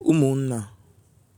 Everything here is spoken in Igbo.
ụmụ̀ nna